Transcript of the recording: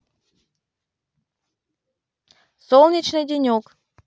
солнечный денек